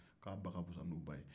k'a ba ka fisa n'u ba ye